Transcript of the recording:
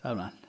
Dal 'mlaen.